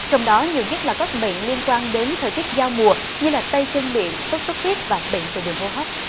trong đó nhiều nhất là các bệnh liên quan đến thời tiết giao mùa như là tay chân miệng sốt xuất huyết và bệnh về đường hô hấp